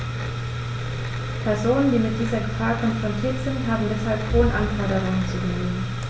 Personen, die mit dieser Gefahr konfrontiert sind, haben deshalb hohen Anforderungen zu genügen.